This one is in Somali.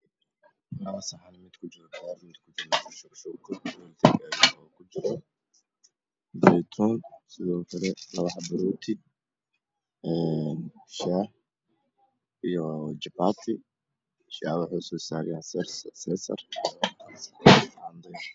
Labo saxan mid waxaa kujiro cunto midna waxaa kujirto shuushuuke, sidoo kale labo xabo rooti shaax iyo jabaati, shaaxu waxuu saaran yahay seerar.